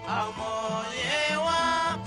A mɔ ye wa